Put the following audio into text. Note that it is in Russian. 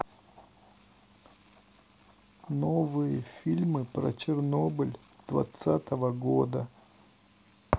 новые фильмы про чернобыль двадцатого года